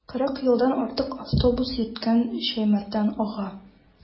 Кырык елдан артык автобус йөрткән Шәймәрдан ага.